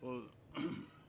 ɔɔ hun